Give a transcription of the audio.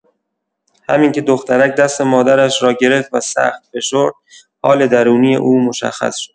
همین که دخترک دست مادرش را گرفت و سخت فشرد، حال درونی او مشخص شد.